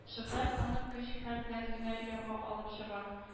Шөһрәт аны көч-хәл белән генә ярга алып чыга